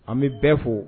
An bɛ bɛɛ fo